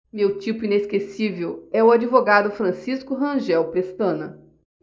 meu tipo inesquecível é o advogado francisco rangel pestana